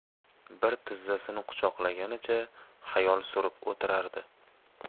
bir tizzasini quchoqlaganicha xayol surib o'tirardi